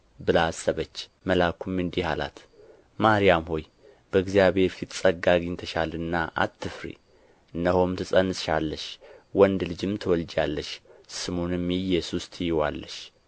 ብላ አሰበች መልአኩም እንዲህ አላት ማርያም ሆይ በእግዚአብሔር ፊት ጸጋ አግኝተሻልና አትፍሪ እነሆም ትፀንሻለሽ ወንድ ልጅም ትወልጃለሽ ስሙንም ኢየሱስ ትዪዋለሽ